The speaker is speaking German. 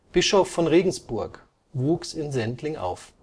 Bischof von Regensburg, wuchs in Sendling auf